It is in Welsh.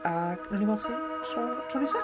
Ac wnawn ni weld chi tro tro nesa.